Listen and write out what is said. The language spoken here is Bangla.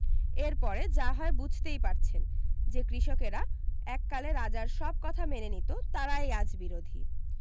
এর পরে যা হয় বুঝতেই পারছেন যে কৃষকেরা এককালে রাজার সব কথা মেনে নিতো তারাই আজ বিরোধী